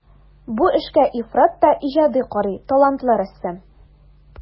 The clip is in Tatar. Бу эшкә ифрат та иҗади карый талантлы рәссам.